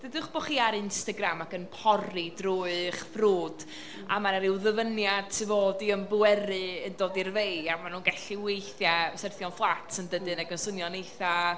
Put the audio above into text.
deudwch bod chi ar Instagram ac yn pori drwy'ch ffrwd a ma' 'na ryw ddyfyniad sy fod i ymbweru yn dod i'r fei ac maen nhw'n gallu weithiau, syrthio'n fflat yn dydyn ac yn swnio'n eitha...